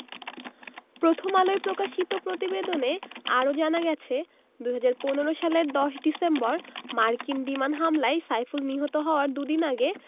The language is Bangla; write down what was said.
প্রথম আলোয় প্রকাশিত প্রতিবেদনে আরও জানা গেছে ২০১৫ সালের ১০ ডিসেম্বর মার্কিন বিমান হামলায় সাইফুল নিহত হওয়ার দুদিন আগে